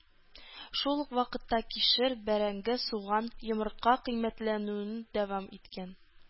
Шул ук вакытта кишер, бәрәңге, суган, йомырка кыйммәтләнүен дәвам иткән.